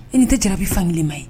I ni tɛ jara' fankelen ma ye